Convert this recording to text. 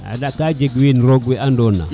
ande ka jeg wiin roog we nado na